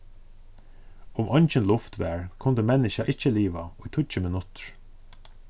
um eingin luft var kundi menniskjað ikki livað í tíggju minuttir